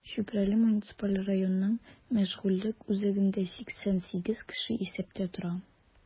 Чүпрәле муниципаль районының мәшгульлек үзәгендә 88 кеше исәптә тора.